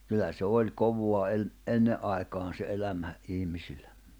kyllä se oli kovaa - ennen aikaan se elämä ihmisillä